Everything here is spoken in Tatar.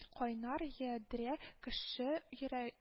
Кайнар ядрә кеше йөрә